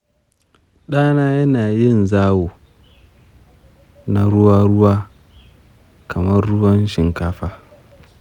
ɗana yana yin zawo na ruwa-ruwa kamar ruwan shinkafa.